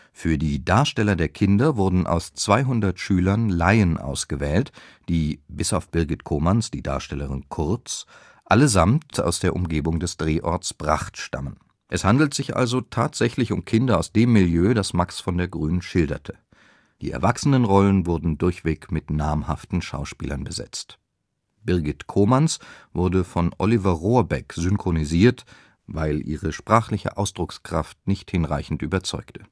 Für die Darsteller der Kinder wurden aus 200 Schülern Laien ausgewählt, die – bis auf Birgit Komanns, die Darstellerin Kurts – allesamt aus der Umgebung des Drehorts Bracht stammen. Es handelt sich also tatsächlich um Kinder aus dem Milieu, das Max von der Grün schilderte. Die Erwachsenenrollen wurden durchweg mit namhaften Schauspielern besetzt. Birgit Komanns wurde von Oliver Rohrbeck synchronisiert, weil ihre sprachliche Ausdruckskraft nicht hinreichend überzeugte